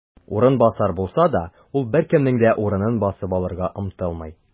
"урынбасар" булса да, ул беркемнең дә урынын басып алырга омтылмый.